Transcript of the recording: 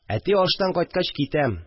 Әти аштан кайткач китәм